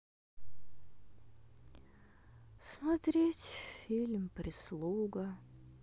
смотреть фильм прислуга